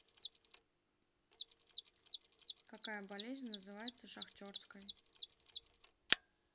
какая болезнь называется шахтерской